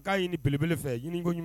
K'a ye nin pelebele fɛ ɲini ɲinin ɲuman